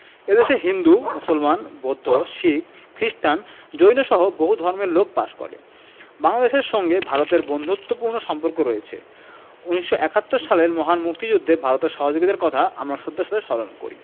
এ দেশে হিন্দু মুসলমান বৌদ্ধ শিখ খ্রিস্টান জৈনসহ বহু ধর্মের লোক বাস করে বাংলাদেশের সঙ্গে ভারতের বন্ধুত্তপূর্ণ সম্পর্ক রয়ছে ১৯৭১ সালের মহান মুক্তিযুদ্ধে ভারতের সহায়তার কথা আমরা শ্রদ্ধার সাথে স্মরণ করি